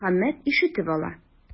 Мөхәммәт ишетеп ала.